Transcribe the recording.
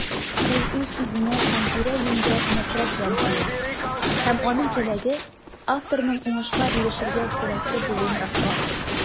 Ул үз-үзенә һәм тирә-юньгә нәфрәт белән тулы - һәм аның теләге: авторның уңышка ирешергә сәләтле булуын раслау.